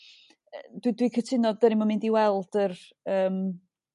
Yrr dwi dwi cytuno 'dyn ni'm yn mynd i weld yr yrm...